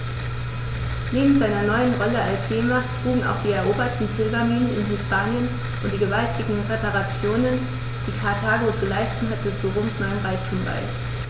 Neben seiner neuen Rolle als Seemacht trugen auch die eroberten Silberminen in Hispanien und die gewaltigen Reparationen, die Karthago zu leisten hatte, zu Roms neuem Reichtum bei.